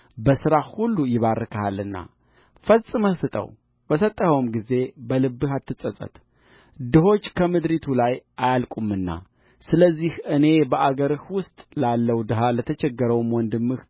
በሥራህ ሁሉ ይባርክሃልና ፈጽመህ ስጠው በሰጠኸውም ጊዜ በልብህ አትጸጸት ድሆች ከምድሪቱ ላይ አያልቁምና ስለዚህ እኔ በአገርህ ውስጥ ላለው ድሀ ለተቸገረውም ወንድምህ